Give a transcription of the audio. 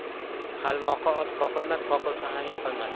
qalmoqi ot qoqilmas qoqilsa ham yiqilmas